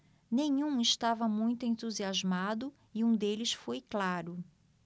nenhum estava muito entusiasmado e um deles foi claro